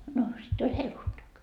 no sitten oli helluntai